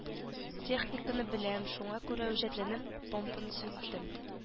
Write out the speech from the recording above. Техниканы беләм шуңа күрә үҗәтләнеп помпаны сүттем